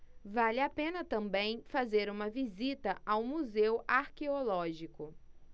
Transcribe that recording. vale a pena também fazer uma visita ao museu arqueológico